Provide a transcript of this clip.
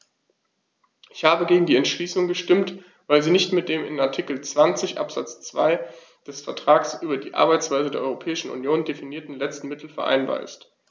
Ich habe gegen die Entschließung gestimmt, weil sie nicht mit dem in Artikel 20 Absatz 2 des Vertrags über die Arbeitsweise der Europäischen Union definierten letzten Mittel vereinbar ist.